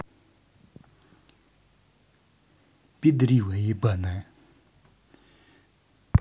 пидрила ебаная